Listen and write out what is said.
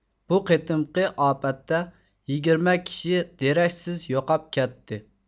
بۇ قېتىمقى ئاپەتتە يىگىرمە كىشى دېرەكسىز يوقاپ كەتتى